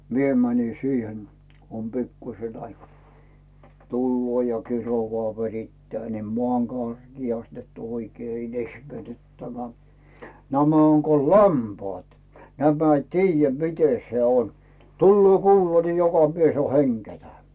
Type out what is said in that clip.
minä menin siihen kun on pikkuisen aikaa tulee ja kiroaa verittää niin maan karkeasti että oikein - ihmetyttämään nämä on kun lampaat nämä ei tiedä miten se on tulee kuula niin joka mies on hengettä